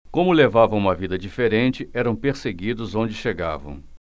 como levavam uma vida diferente eram perseguidos onde chegavam